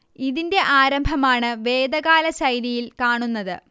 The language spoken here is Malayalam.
ഇതിന്റെ ആരംഭമാണ് വേദകാല ശൈലിയിൽ കാണുന്നത്